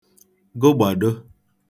gụgbàdo